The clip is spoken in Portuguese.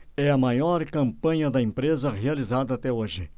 é a maior campanha da empresa realizada até hoje